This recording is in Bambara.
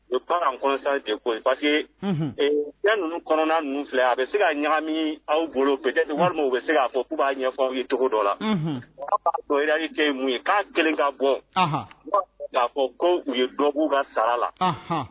Osa koyi pa yan ninnu kɔnɔna ninnu filɛ a bɛ se ka ɲagami aw bolo walima u bɛ se fɔ k' b'a ɲɛfɔw ye cogo dɔ la ce mun ye k'a kelen ka bɔ k'a fɔ ko u ye dɔw ka sara la